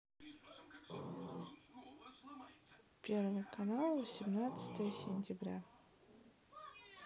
первый канал восемнадцатое сентября